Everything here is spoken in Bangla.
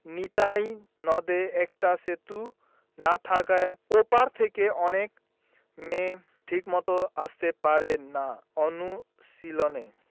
নিতাই নদে একটা সেতু না থাকায় ও পার থেকে অনেক মেয়ে ঠিকমতো আসতে পারে না অনুশীলনে